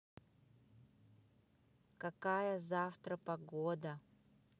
какая завтра погода